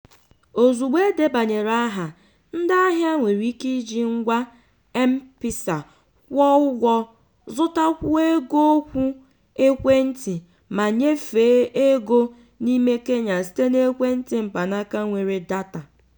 Ozugbo e debanyere aha, ndị ahịa nwere ike iji ngwa M-Pesa kwụọ ụgwọ, zụtakwuo ego okwu ekwentị ma nyefee ego n'ime Kenya site n'ekwentị mkpanaka nwere data.